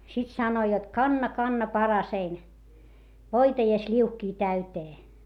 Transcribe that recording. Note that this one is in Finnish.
sitten sanoi jotta kanna kanna paraseni voita ja sliuhkia täyteen